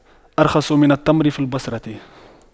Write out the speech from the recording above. أرخص من التمر في البصرة